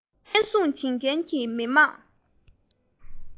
བརྟན སྲུང བྱེད མཁན གྱི མི དམངས